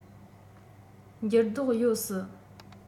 འགྱུར ལྡོག ཡོད སྲིད